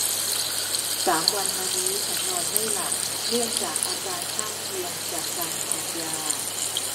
สามวันมานี้ฉันนอนไม่หลับเนื่องจากอาการข้างเคียงจากการทานยา